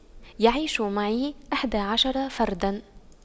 يعيش معي إحدى عشر فردا